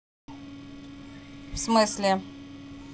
в смысле